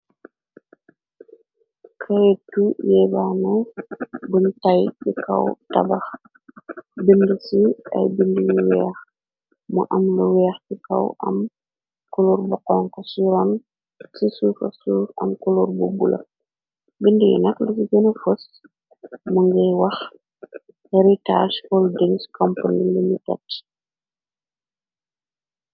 Kaytu yeebaana buñu tay ti kaw tabax binda ci ay binda yu weex mu am lu weex ci kaw am kuluur bu xonku ci suufa suf am kuluur bu bula binda yi nek lu ci gëna fos ma ngay wax heritage holdings building company.